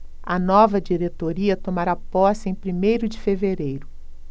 a nova diretoria tomará posse em primeiro de fevereiro